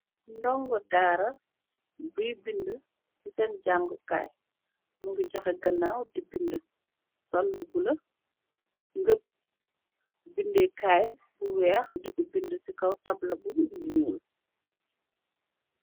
ndongo daara biy bind ci seen jàngu kaay. Mu ngi joxe genaw di bind, sul lu boulu ngëb binde kaay bu weex diku bind ci kaw tabla bu muul.